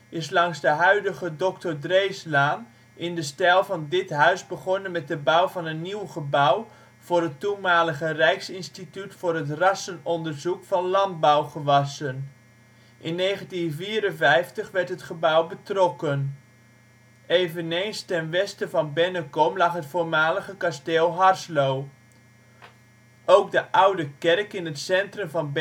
is langs de huidige Dr. Dreeslaan in de stijl van dit huis begonnen met de bouw van een nieuw gebouw voor het toenmalige Rijksinstituut voor het Rassenonderzoek van Landbouwgewassen. In 1954 werd het gebouw betrokken. Eveneens ten westen van Bennekom lag het voormalige kasteel Harslo. Ook de oude kerk in het centrum van Bennekom